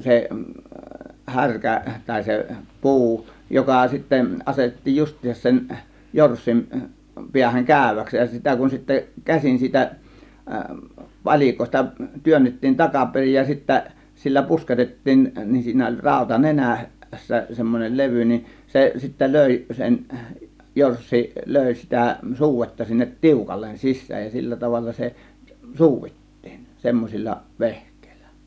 se härkä tai se puu joka sitten asetettiin justiinsa sen jorssin päähän käyväksi ja sitä kun sitten käsin siitä palikoista työnnettiin takaperin ja sitten sillä pusketettiin niin siinä oli rauta - nenässä semmoinen levy niin se sitten löi sen jorssi löi sitä suudetta sinne tiukalle sisään ja sillä tavalla se suudittiin semmoisilla vehkeillä